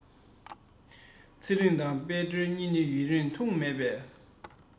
ཚེ རིང དང དཔལ སྒྲོན གཉིས ནི ཡུན རིང ཐུགས མེད པས